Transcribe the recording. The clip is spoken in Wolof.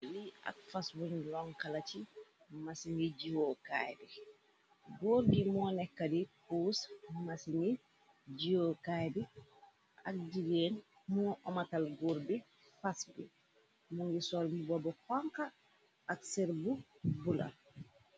Li ak fas wuñ ronkla ci masini jiokaay bi goor bi moo nekka di pous masini jiwokaay bi ak jigeen mo amatal góur bi fas bi mungi sor mbuba bu xonxa ak sër bu bulo.